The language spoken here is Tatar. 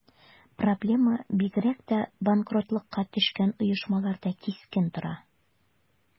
Проблема бигрәк тә банкротлыкка төшкән оешмаларда кискен тора.